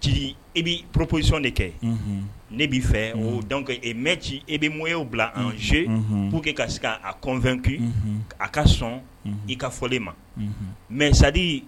ci i bɛ poropolisisɔn de kɛ ne b'i fɛ o kɛ mɛ ci i bɛ mɔyaw bila' z pu que ka se k'a kɔnfɛn a ka sɔn i ka fɔlen ma mɛ sadi